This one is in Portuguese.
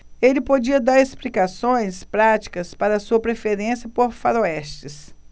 ele podia dar explicações práticas para sua preferência por faroestes